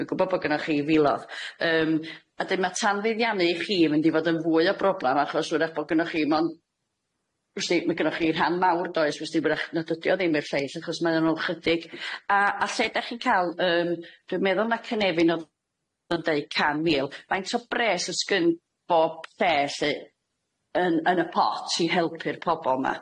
Dwi'n gwbo bo' gynnoch chi filodd, yym a'dyn ma' tanfyddiannu i chi mynd i fod yn fwy o broblam achos wrach bo' gynnoch chi mo'n w's di ma' gynnoch chi rhan mawr do es w's di byrach nad ydi o ddim i'r lleill achos mae nw'n chydig a a lle dach chi'n ca'l yym dwi'n meddwl ma' Cynefin odd yn deud can mil faint o bres os gyn- bob lle lly, yn yn y pot i helpu'r pobol ma?